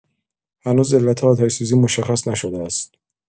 هنوز علت آتش‌سوزی مشخص نشده است.